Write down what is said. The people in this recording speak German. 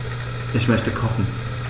Ich möchte kochen.